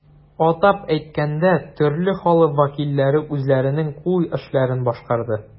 Атап әйткәндә, төрле халык вәкилләре үзләренең кул эшләрен башкарды.